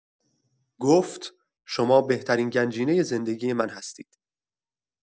گفت: «شما بهترین گنجینۀ زندگی من هستید.»